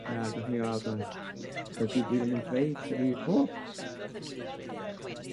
A dewch i ni weld rŵan. Dydi... Dwi di mynd reit y' ry- o!